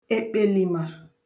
èkpèlìmà